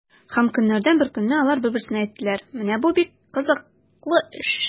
Һәм көннәрдән бер көнне алар бер-берсенә әйттеләр: “Менә бу бик кызыклы эш!”